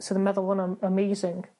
sydd yn meddwl hwnna'n amazing.